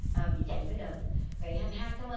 à bị chạy với đời vậy anh ha cảm ơn